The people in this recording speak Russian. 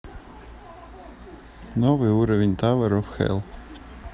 новый уровень tower of hell